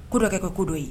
Ko dɔ ka kɛ ko dɔ ye